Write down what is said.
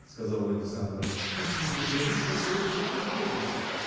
– сказал Александр, – как мне благодарить вас за эту заботливость?